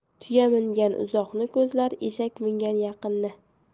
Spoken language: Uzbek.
tuya mingan uzoqni ko'zlar eshak mingan yaqinni